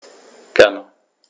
Gerne.